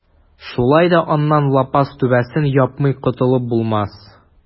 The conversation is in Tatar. Шулай да аннан лапас түбәсен япмый котылып булмас.